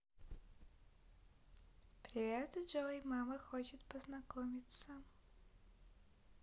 привет джой мама хочет познакомиться